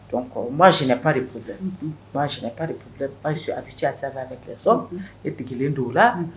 Don kɔrɔ mas pa delɛ maas de plɛ a bɛ ca a ta la a bɛ kɛ sɔn e dege kelen don o la